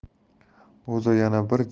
o'za yana bir